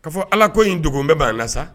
Kaa ala ko in dogo bɛ banna sa